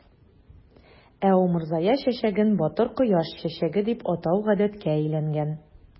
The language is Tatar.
Ә умырзая чәчәген "батыр кояш чәчәге" дип атау гадәткә әйләнгән.